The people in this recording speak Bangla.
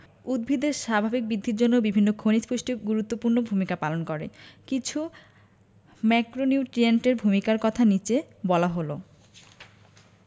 উদ্ভিদের স্বাভাবিক বৃদ্ধির জন্য বিভিন্ন খনিজ পুষ্টি গুরুত্বপূর্ণ ভূমিকা পালন করে কিছু ম্যাক্রোনিউট্রিয়েন্টের ভূমিকার কথা নিচে বলা হল